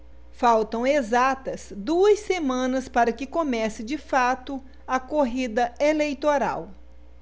faltam exatas duas semanas para que comece de fato a corrida eleitoral